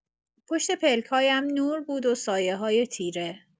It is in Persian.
پشت پلک‌هایم نور بود و سایه‌‌های تیره.